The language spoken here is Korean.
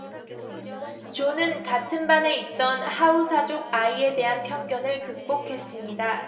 존은 같은 반에 있던 하우사족 아이에 대한 편견을 극복했습니다